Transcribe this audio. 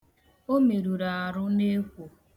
O meruru ahu n'ekwo.